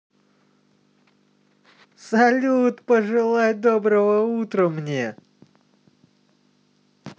салют пожелай доброго утра мне